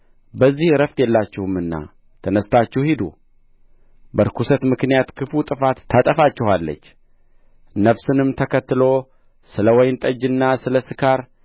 በዚህ ዕረፍት የላችሁምና ተነሥታችሁ ሂዱ በርኵሰት ምክንያት ክፉ ጥፋት ታጠፋችኋለች ነፋስንም ተከትሎ ስለ ወይን ጠጅና ስለ ስካር